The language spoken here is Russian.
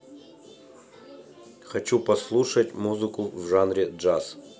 хочу послушать музыку в жанре джаз